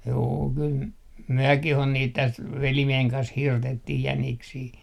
juu kyllä mekin on niitä tästä velimiehen kanssa hirtettiin jäniksiä